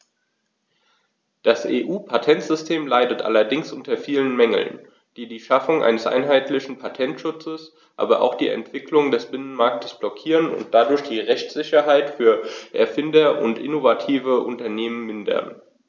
Das EU-Patentsystem leidet allerdings unter vielen Mängeln, die die Schaffung eines einheitlichen Patentschutzes, aber auch die Entwicklung des Binnenmarktes blockieren und dadurch die Rechtssicherheit für Erfinder und innovative Unternehmen mindern.